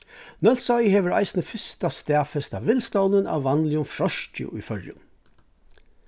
nólsoy hevur eisini fyrsta staðfesta villstovnin av vanligum froski í føroyum